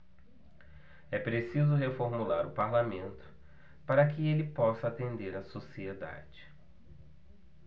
é preciso reformular o parlamento para que ele possa atender a sociedade